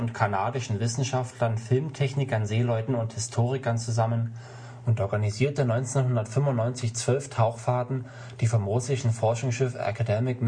kanadischen Wissenschaftlern, Filmtechnikern, Seeleuten und Historikern zusammen und organisierte 1995 zwölf Tauchfahrten, die vom russischen Forschungsschiff Akademik